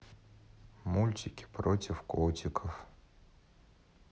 мультики про котиков